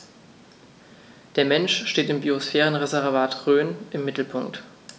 Der Mensch steht im Biosphärenreservat Rhön im Mittelpunkt.